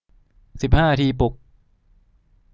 สิบห้านาทีปลุก